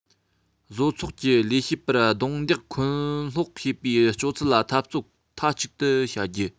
བཟོ ཚོགས ཀྱི ལས བྱེད པར རྡུང རྡེག འཁོན སློག བྱེད པའི སྤྱོད ཚུལ ལ འཐབ རྩོད མཐའ གཅིག ཏུ བྱ རྒྱུ